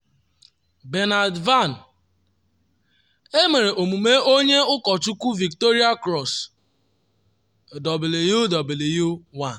Bernard Vann: Emere emume onye ụkọchukwu Victoria Cross WW1